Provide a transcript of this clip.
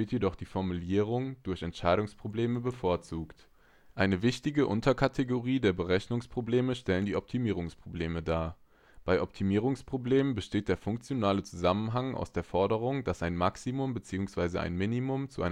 jedoch die Formulierung durch Entscheidungsprobleme bevorzugt. Eine wichtige Unterkategorie der Berechnungsprobleme stellen die Optimierungsprobleme dar. Bei Optimierungsproblemen besteht der funktionale Zusammenhang aus der Forderung, dass ein Maximum bzw. Minimum zu